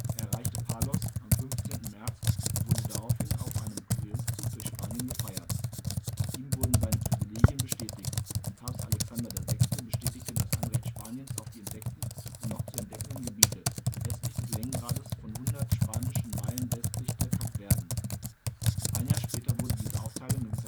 erreichte Palos am 15. März und wurde daraufhin auf einem Triumphzug durch Spanien gefeiert. Ihm wurden seine Privilegien bestätigt, und Papst Alexander VI. bestätigte das Anrecht Spaniens auf die entdeckten und noch zu entdeckenden Gebiete westlich des Längengrades von 100 spanischen Meilen westlich der Kapverden. (Ein Jahr später wurde diese Aufteilung